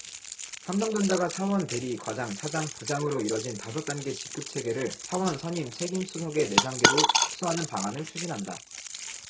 삼성전자가 사원 대리 과장 차장 부장으로 이뤄진 다섯 단계 직급체계를 사원 선임 책임 수석의 네 단계로 축소하는 방안을 추진한다